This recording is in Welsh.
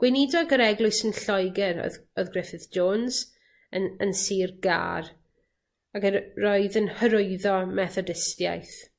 Gweinidog yr eglwys yn Lloeger o'dd oedd Griffith Jones yn yn sir Gar, ac yr- roedd yn hyrwyddo Methodistiaeth.